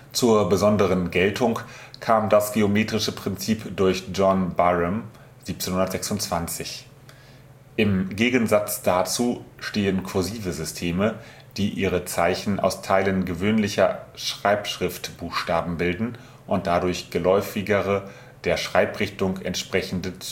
Zur besonderen Geltung kam das geometrische Prinzip durch John Byrom 1726. Im Gegensatz dazu stehen „ kursive “Systeme, die ihre Zeichen aus Teilen gewöhnlicher Schreibschriftbuchstaben bilden und dadurch geläufigere, der Schreibrichtung entsprechende